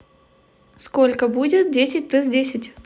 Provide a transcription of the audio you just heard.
сколько будет десять плюс десять